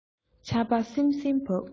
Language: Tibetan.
ཆར པ བསིམ བསིམ འབབས